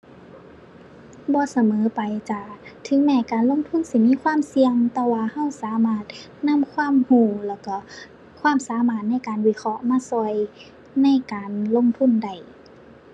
บ่เสมอไปจ้า ถึงแม้การลงทุนสิมีความเสี่ยง แต่ว่าเราสามารถนำความเรา แล้วเราความสามารถในการวิเคราะห์มาเราในการลงทุนได้